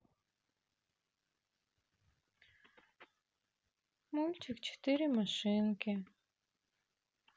мультик четыре машинки